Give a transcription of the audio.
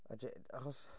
A j- achos...